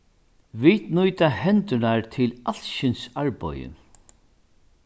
vit nýta hendurnar til alskyns arbeiði